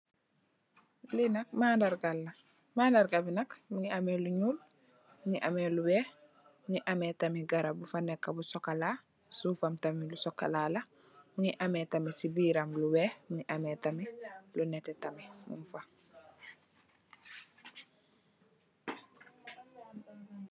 Lii nak mandarga la, mandarga bi nak mingi amme lu nyuul, mingi ame lu weex, mingi ame tamit garab bu fa neka bu sokola, suufam tamit lu sokola la, mingi ame tamit si biiram lu weex, mingi ame tamit lu nete tamit, mung fa.